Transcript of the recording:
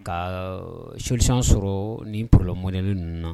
Ka sodisa sɔrɔ ni porola mɔnɛli ninnu